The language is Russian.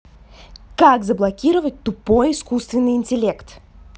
как заблокировать тупой искусственный интеллект